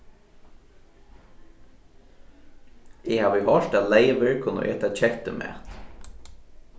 eg havi hoyrt at leyvur kunnu eta kettumat